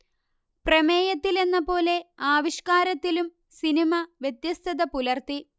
പ്രമേയത്തിലെന്ന പോലെ ആവിഷ്കാരത്തിലും സിനിമ വ്യത്യസ്തത പുലർത്തി